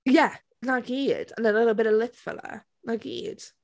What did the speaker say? Ie! 'Na gyd. And a little bit of lip filler. 'Na gyd.